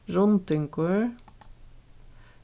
rundingur